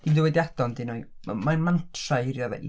Dim dywediadau, ond un o'i... mae'n mantra hi dio de.